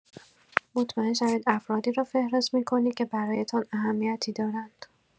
مطمئن شوید افرادی را فهرست می‌کنید که برایتان اهمیتی دارند.